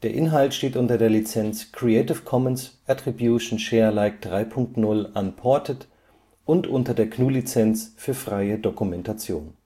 Inhalt steht unter der Lizenz Creative Commons Attribution Share Alike 3 Punkt 0 Unported und unter der GNU Lizenz für freie Dokumentation